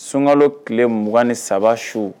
Sunkalo tile 2ugan ni saba su